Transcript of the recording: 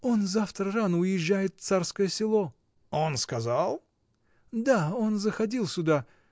— Он завтра рано уезжает в Царское Село. — Он сказал? — Да, он заходил сюда.